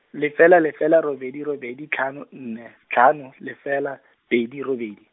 lefela lefela robedi robedi tlhano nne, tlhano, lefela, pedi robedi.